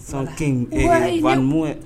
San balima